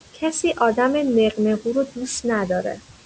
کسی آدم نق‌نقو رو دوست نداره.